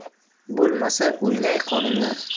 bo'lmasa o'ynay qolinglar